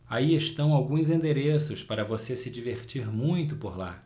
aí estão alguns endereços para você se divertir muito por lá